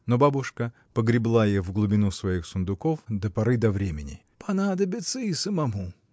Но бабушка погребла их в глубину своих сундуков до поры до времени: — Понадобятся и самому!